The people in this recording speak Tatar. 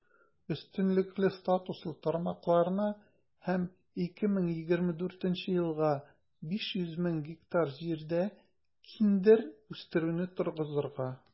Өстенлекле статуслы тармакларны һәм 2024 елга 500 мең гектар җирдә киндер үстерүне торгызырга.